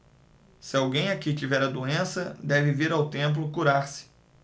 se alguém aqui tiver a doença deve vir ao templo curar-se